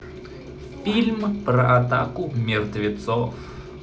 фильм про атаку мертвецов